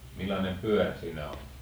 millainen pyörä siinä on